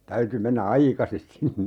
täytyi mennä aikaisin sinne